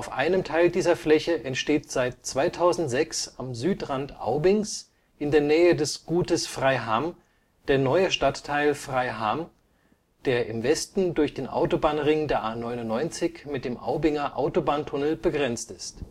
einem Teil dieser Fläche entsteht seit 2006 am Südrand Aubings in der Nähe des Gutes Freiham der neue Stadtteil Freiham, der im Westen durch den Autobahnring der A 99 mit dem Aubinger Autobahntunnel begrenzt ist